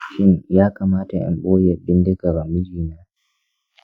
shin ya kamata in boye bindigar mijina?